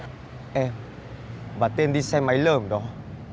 em và tên đi xe máy lởm đó